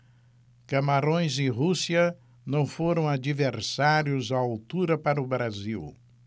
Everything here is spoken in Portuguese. camarões e rússia não foram adversários à altura para o brasil